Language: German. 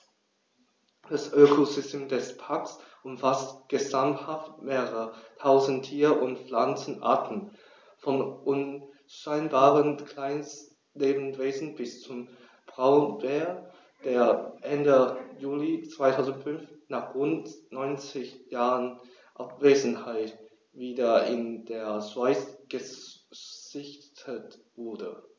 Das Ökosystem des Parks umfasst gesamthaft mehrere tausend Tier- und Pflanzenarten, von unscheinbaren Kleinstlebewesen bis zum Braunbär, der Ende Juli 2005, nach rund 90 Jahren Abwesenheit, wieder in der Schweiz gesichtet wurde.